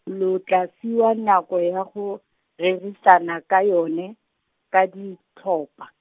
lo tla fiwa nako ya go, rerisana ka yone, ka ditlhopha.